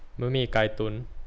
บะหมี่ไก่ตุ่น